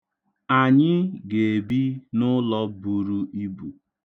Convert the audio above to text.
Anyị ga-ebi n'ụlọ buru ibu.